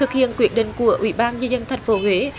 thực hiện quyết định của ủy ban nhân dân thành phố huế